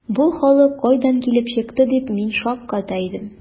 “бу халык кайдан килеп чыкты”, дип мин шакката идем.